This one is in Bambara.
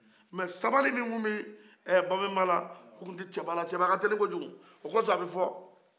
nka sabali mi tun bɛ babemba la o tun tɛ cɛba la cɛba ka tɛli ko jugu o de ko sɔ a bɛ fɔ